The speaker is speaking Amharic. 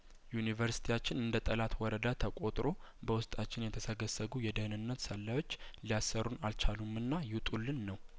ዩኒቨርስቲያችን እንደጠላት ወረዳ ተቆጥሮ በውስጣችን የተሰገሰጉ የደህንነት ሰላዮች ሊያሰሩን አልቻሉምና ይውጡ ልን ነው